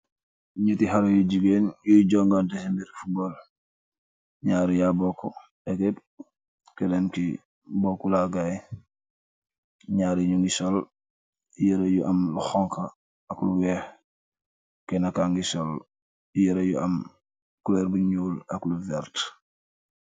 ñuti xare yu jigéen yuy jonganteci si birr futbol ñyaaru yaa bokk ekep kenen ki bokkle ak gaay ñyaari ñyu ngi sol yëre yu am lu honka ak lu weex kenna ka ngi sol yëre yu am cueer bu ñuul ak lu verte